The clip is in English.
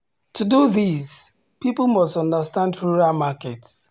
To do this, people must understand rural markets.